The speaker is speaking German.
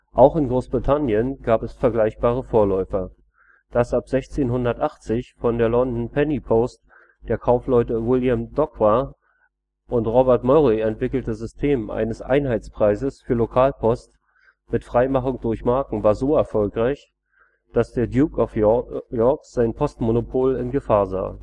Auch in Großbritannien gab es vergleichbare Vorläufer. Das ab 1680 von der London Penny Post der Kaufleute William Dockwra und Robert Murray entwickelte System eines Einheitspreises für Lokalpost mit Freimachung durch Marken war so erfolgreich, dass der Duke of York sein Postmonopol in Gefahr sah